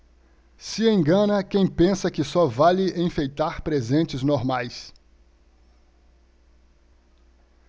se engana quem pensa que só vale enfeitar presentes normais